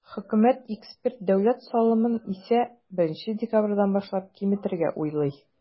Хөкүмәт экспорт дәүләт салымын исә, 1 декабрьдән башлап киметергә уйлый.